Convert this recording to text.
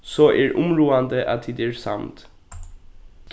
so er umráðandi at tit eru samd